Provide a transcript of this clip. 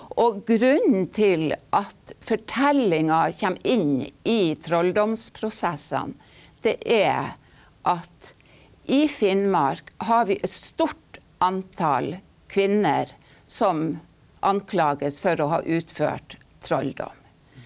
og grunnen til at fortellinga kommer inn i trolldomsprosessene, det er at i Finnmark har vi et stort antall kvinner som anklages for å ha utført trolldom.